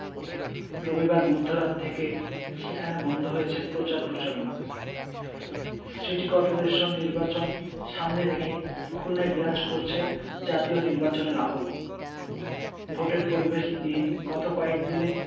রবিবার মধ্যরাত থেকে সেখানে বন্ধ হয়েছে প্রচার প্রচারণা সিটি করপোরেশন নির্বাচন সামনে রেখে খুলনায় বিরাজ করছে জাতীয় নির্বাচনের আবহ ভোটের পরিবেশ নিয়ে গত কয়েক দিনে